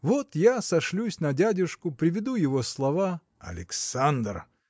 Вот я сошлюсь на дядюшку, приведу его слова. – Александр!